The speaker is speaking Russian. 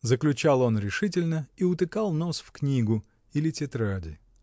— заключал он решительно и утыкал нос в книгу или тетради.